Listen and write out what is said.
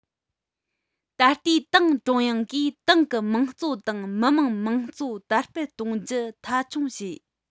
ད ལྟའི ཏང ཀྲུང དབྱང གིས ཏང གི དམངས གཙོ དང མི དམངས དམངས གཙོ དར སྤེལ གཏོང རྒྱུ མཐའ འཁྱོངས བྱས